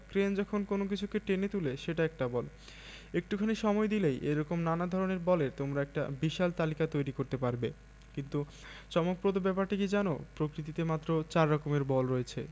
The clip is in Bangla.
ক্রেন যখন কোনো কিছুকে টেনে তুলে সেটা একটা বল একটুখানি সময় দিলেই এ রকম নানা ধরনের বলের তোমরা একটা বিশাল তালিকা তৈরি করতে পারবে কিন্তু চমকপ্রদ ব্যাপারটি কী জানো প্রকৃতিতে মাত্র চার রকমের বল রয়েছে